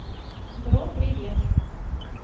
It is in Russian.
бро привет